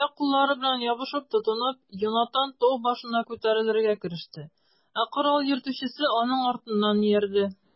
Аяк-куллары белән ябышып-тотынып, Йонатан тау башына күтәрелергә кереште, ә корал йөртүчесе аның артыннан иярде.